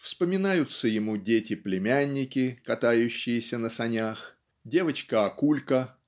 вспоминаются ему дети-племянники катающиеся на санях девочка Акулька